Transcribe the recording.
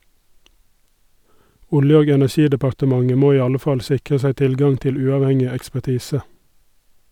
Olje- og energidepartementet må i alle fall sikre seg tilgang til uavhengig ekspertise.